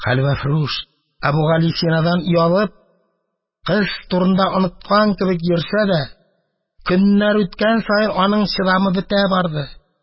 Хәлвәфрүш, Әбүгалисинадан оялып, кыз турында оныткан кебек йөрсә дә, көннәр үткән саен, аның чыдамы бетә барды.